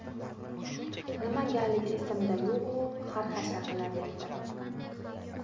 nimagaligi esimda yo'g'u xarxasha qilaverdim